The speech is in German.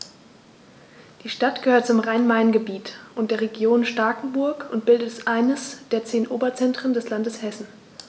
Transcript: Die Stadt gehört zum Rhein-Main-Gebiet und der Region Starkenburg und bildet eines der zehn Oberzentren des Landes Hessen.